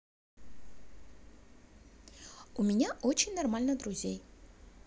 у меня очень нормально друзей